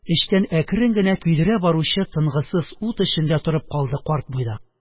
Эчтән әкрен генә көйдерә баручы тынгысыз ут эчендә торып калды карт буйдак